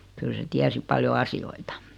kyllä se tiesi paljon asioita